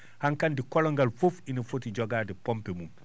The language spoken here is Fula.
han kandi kologal fof ina foti jogaade pompe mum